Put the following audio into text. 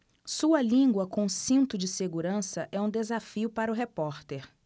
sua língua com cinto de segurança é um desafio para o repórter